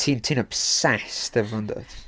Ti'n ti'n obsessed efo hwn dwyt,